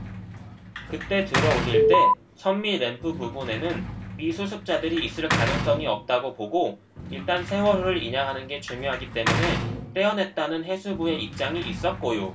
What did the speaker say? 그때 들어올릴 때 선미 램프 부분에는 미수습자들이 있을 가능성이 없다고 보고 일단 세월호를 인양하는 게 중요하기 때문에 떼어냈다는 해수부의 입장이 있었고요